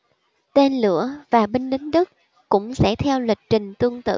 tên lửa và binh lính đức cũng sẽ theo lịch trình tương tự